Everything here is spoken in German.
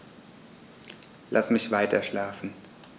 Lass mich weiterschlafen.